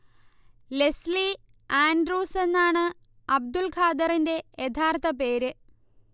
Leslie Andrews എന്നാണ് അബ്ദുള്ഖാദറിന്റെ യഥാർഥ പേര്